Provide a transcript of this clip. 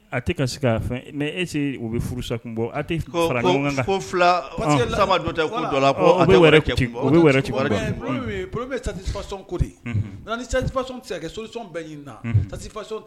A ti ka se fɛn. Mais est ce que o bi furu sa kun bɔ. A ti fara ɲɔgɔn kan . oui oui problème ye satisfaction ko de ye. Maintenant ni satisfaction ti se ka kɛ ni solution bɛɛ ɲinina